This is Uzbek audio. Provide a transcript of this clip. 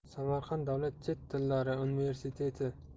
samarqand davlat chet tillar universiteti